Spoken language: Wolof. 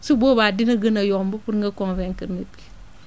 su boobaa dina gën a yomb pour nga convaincre nit ki